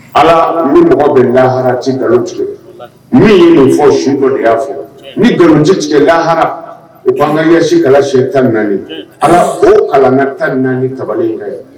Ala n mɔgɔ bɛ lahara nkalon tigɛ min ye nin fɔ su dɔ de'a fɛ ni nkalonji tigɛ lahara u'an ka ɲɛsi kalasiyɛn ta ala o kalan na tamin ni ta in ka ye